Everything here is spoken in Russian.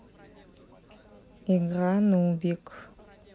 игра нубик